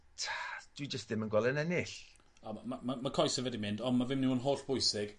dwi jyst ddim yn gweld e'n ennill. Na ma' ma' ma' coese fe 'di mynd on' ma' fe myn' i fod yn hollbwysig